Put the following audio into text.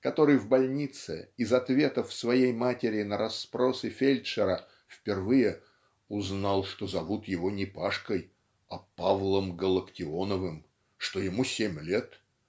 который в больнице из ответов своей матери на расспросы фельдшера впервые "узнал что зовут его не Пашкой а Павлом Галактионовым что ему семь лет